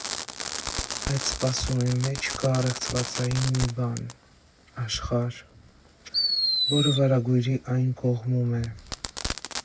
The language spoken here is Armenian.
Այդ սպասումի մեջ կա առեղծվածային մի բան՝ աշխարհ, որը վարագույրի այն կողմում է։